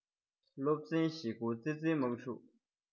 སློབ ཚན ཞེ དགུ ཙི ཙིའི དམག འཁྲུག